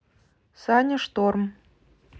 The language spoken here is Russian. саня шторм